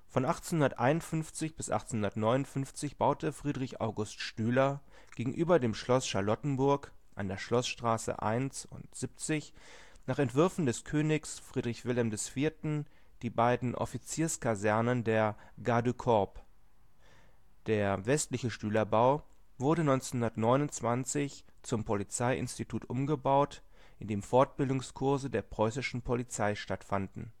Von 1851 bis 1859 baute Friedrich August Stüler gegenüber dem Schloss Charlottenburg an der Schloßstraße 1 und 70 nach Entwürfen des Königs Friedrich Wilhelm IV. die beiden Offiziers-Kasernen der Gardes du Corps. Der westliche Stülerbau wurde 1929 zum Polizei-Institut umgebaut, in dem Fortbildungskurse der preußischen Polizei stattfanden